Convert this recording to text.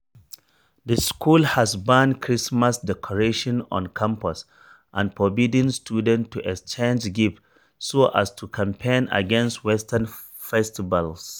The school has banned Christmas decorations on campus and forbidden students to exchange gifts so as to campaign against Western festivals.